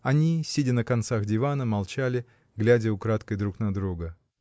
Они, сидя на концах дивана, молчали, глядя украдкой друг на друга.